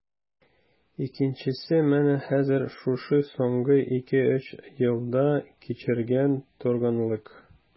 Икенчесе менә хәзер, шушы соңгы ике-өч елда кичергән торгынлык...